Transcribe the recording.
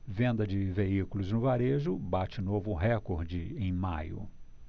venda de veículos no varejo bate novo recorde em maio